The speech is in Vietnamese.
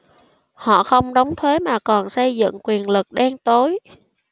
họ không đóng thuế mà còn xây dựng quyền lực đen tối